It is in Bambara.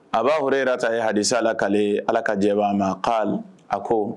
A b'a ye halisa lakale Ala ka jɛ b'a ma k'ale a ko